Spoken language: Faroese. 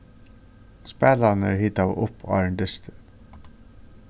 spælararnir hitaðu upp áðrenn dystin